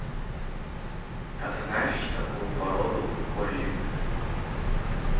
а ты знаешь такую породу колли